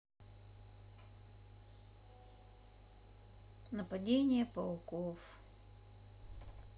нападение пауков